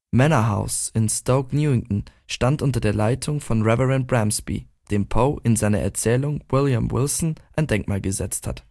Manor House in Stoke Newington stand unter der Leitung von Reverend Bransby, dem Poe in seiner Erzählung William Wilson ein Denkmal gesetzt hat